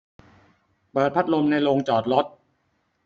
เปิดพัดลมในโรงจอดรถ